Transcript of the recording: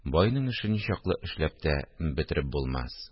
Байның эшен ничаклы эшләп тә бетереп булмас